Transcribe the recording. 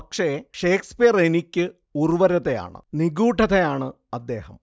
പക്ഷേ, ഷേക്സ്പിയറെനിക്ക് ഉർവരതയാണ്, നിഗൂഢതയാണ് അദ്ദേഹം